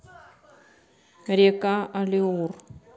река алиур